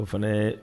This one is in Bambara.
O fana